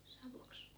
savoksi